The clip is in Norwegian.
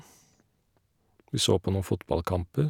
Vi så på noen fotballkamper.